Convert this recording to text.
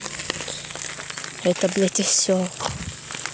это блядь осел